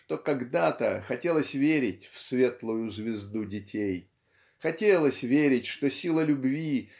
что когда-то хотелось верить в светлую звезду детей. Хотелось верить что сила любви